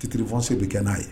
Fitiri fɔsi bɛ kɛ n'a ye